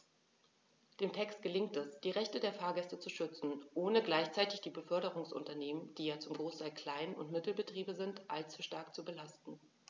Dem Text gelingt es, die Rechte der Fahrgäste zu schützen, ohne gleichzeitig die Beförderungsunternehmen - die ja zum Großteil Klein- und Mittelbetriebe sind - allzu stark zu belasten.